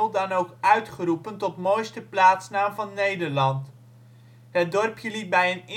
dan ook uitgeroepen tot mooiste plaatsnaam van Nederland. Het dorpje liet bij een internetverkiezing